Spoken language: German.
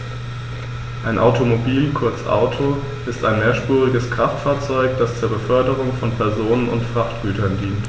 Ein Automobil, kurz Auto, ist ein mehrspuriges Kraftfahrzeug, das zur Beförderung von Personen und Frachtgütern dient.